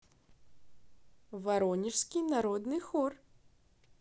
воронежский народный хор